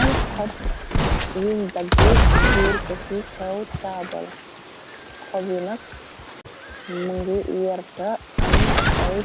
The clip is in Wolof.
Ay kob yiñ dagg biir ko ci kaw taabal kobyi nak mëngi werta am ay